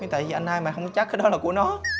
thế tại vì anh hai mày không chắc đó là của nó